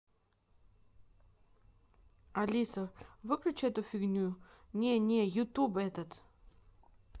алиса выключи эту фигню не не youtube этот